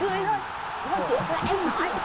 cười thôi hồi trước là em nói